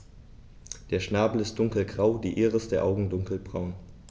Der Schnabel ist dunkelgrau, die Iris der Augen dunkelbraun.